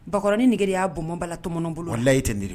Bakɔrɔnin nege de y'a bɔnbɔn bala tɔmɔn bolo la, wallahi ten de don.